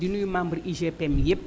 di nuyu membres UGPM yëpp